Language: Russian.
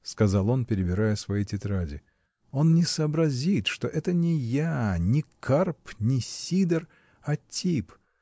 — сказал он, перебирая свои тетради, — он не сообразит, что это не я, не Карп, не Сидор, а тип